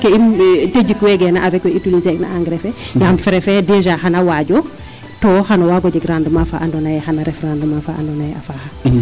ke i mbi kete jik woogena avec wee utiliser na engrais fee yaam frais fee dejas xana waajoox to xano waago jeg rendement faa ando naye xana ref rendement faa ando naye a faaxa